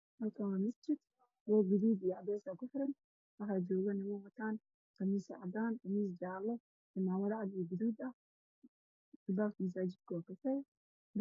Halkaan waa masjid wax joogo nimab qaraakood wax wataan qamiisyo cadaan ah